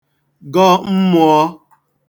gọ mmụ̄ọ̄